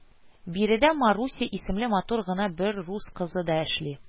Биредә Маруся исемле матур гына бер рус кызы да эшли